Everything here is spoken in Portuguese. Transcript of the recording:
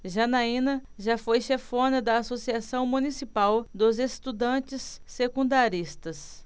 janaina foi chefona da ames associação municipal dos estudantes secundaristas